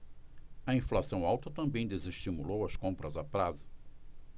a inflação alta também desestimulou as compras a prazo